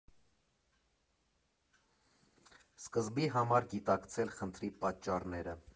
Սկզբի համար գիտակցել խնդրի պատճառները։